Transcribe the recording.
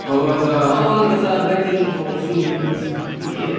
Oedd o fatha... Oedd o'n fatha medieval themed i gyd.